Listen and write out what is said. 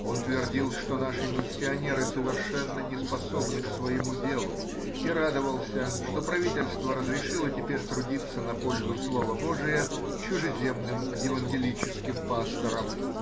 Он твердил, что наши миссионеры совершенно неспособны к своему делу, и радовался, что правительство разрешило теперь трудиться на пользу слова божия чужеземным евангелическим пасторам.